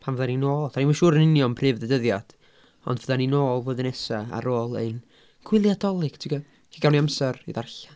Pan fyddwn ni'n ôl, dan ni'm yn siŵr yn union pryd fydd y dyddiad. Ond fyddwn ni'n ôl flwyddyn nesa ar ôl ein gwyliau Dolig, ti'n gwybod, felly gawn ni amser i ddarllen.